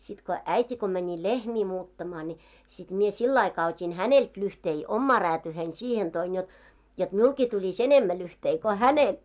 sitten kun äiti kun meni lehmiä muuttamaan niin sitten minä sillä aikaa otin häneltä lyhteitä omaan räätyyni siihen toin jotta jotta minullekin tulisi enemmän lyhteitä kuin hänelle